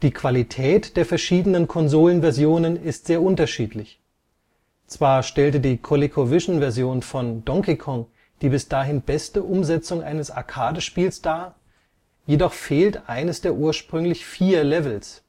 Qualität der verschiedenen Konsolenversionen ist sehr unterschiedlich. Zwar stellte die ColecoVision-Version von Donkey Kong die bis dahin beste Umsetzung eines Arcade-Spiels dar, jedoch fehlt eines der ursprünglich vier Levels